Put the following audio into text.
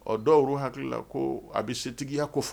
Ɔ dɔw hakilila ko a bɛ setigiya ko fɔ